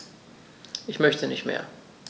Ich möchte nicht mehr.